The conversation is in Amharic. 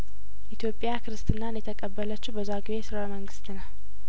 ኢትዮጵያ ክርስትናን የተቀበለችው በዛጔ ስርወ መንግስት ነው